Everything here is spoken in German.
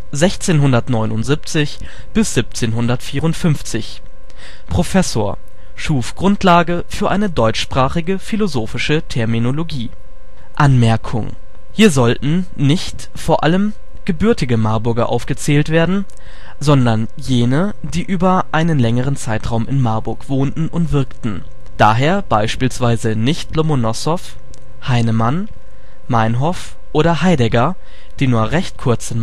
Christian Wolff (1679 - 1754) Professor, schuf Grundlage für eine deutschsprachige philosophische Terminologie. Anmerkung: Hier sollten nicht v.a. gebürtige Marburger aufgezählt werden, sondern jene, die über einen längeren Zeitraum in Marburg wohnten und wirkten. Daher beispielsweise nicht Lomonossow, Heinemann, Meinhof oder Heidegger, die nur recht kurz